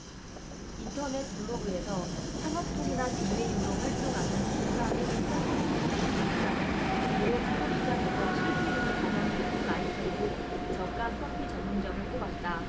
인터넷 블로그에서창업통이란 닉네임으로 활동하는 김상훈 스타트비즈니스 소장은 올해 창업시장에서 실패율이 가장 높은 아이템으로 저가 커피 전문점을 꼽았다